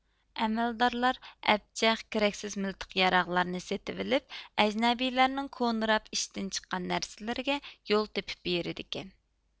ئەمەلدارلار ئەبجەخ كېرەكسىز مىلتىق ياراغلارنى سېتىۋېلىپ ئەجنەبىيلەرنىڭ كونىراپ ئىشتىن چىققان نەرسىلىرىگە يول تېپىپ بېرىدىكەن